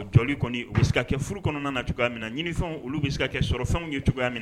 To kɔni u bɛ se ka kɛ furu kɔnɔna na cogoya min na ɲiniw olu bɛ se ka kɛ sɔrɔfɛnw ye cogoya min na